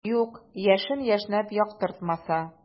Юк, яшен яшьнәп яктыртмаса.